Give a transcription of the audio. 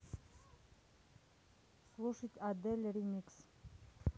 слушать адель ремикс